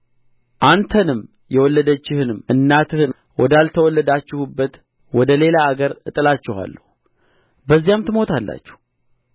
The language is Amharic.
አንተንም የወለደችህንም እናትህን ወዳልተወለዳችሁባት ወደ ሌላ አገር እጥላችኋለሁ በዚያም ትሞታላችሁ